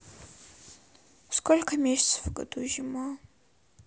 сколько месяцев в году зима